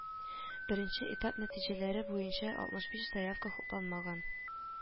Беренче этап нәтиҗәләре буенча алтмыш биш заявка хуплангмаган